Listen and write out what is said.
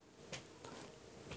покажи фиксиков